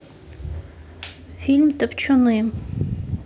фильм топтуны